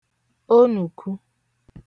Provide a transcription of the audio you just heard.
onùku